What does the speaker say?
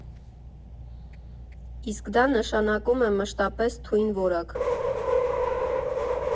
Իսկ դա նշանակում է՝ մշտապես թույն որակ։